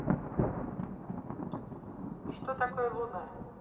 что такое луна